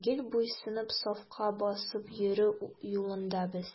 Гел буйсынып, сафка басып йөрү юлында без.